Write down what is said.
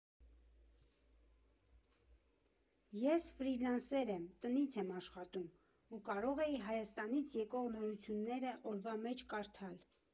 Ես ֆրիլանսեր եմ, տնից եմ աշխատում ու կարող էի Հայաստանից եկող նորությունները օրվա մեջ կարդալ։